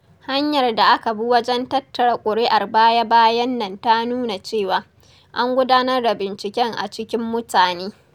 Hanyar da aka bi wajen tattara ƙuri'ar baya-bayan nan ta nuna cewa, an gudanar da binciken a cikin mutane.